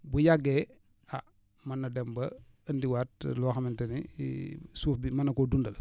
bu yàggee ah mën na dem ba andiwaat loo xamante ni suuf bi mën na koo dundal